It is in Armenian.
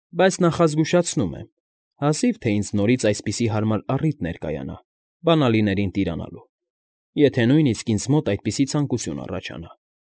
Բայց նախազգուշացնում եմ. հազիվ թե ինձ նորից այսպիսի հարմար առիթ ներկայանա բանալիներին տիրանալու, եթե նույնիսկ ինձ մոտ այդպիսի ցանկություն առաջանա։